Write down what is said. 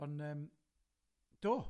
Ond yym, do.